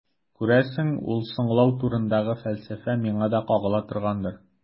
Күрәсең, ул «соңлау» турындагы фәлсәфә миңа да кагыла торгандыр.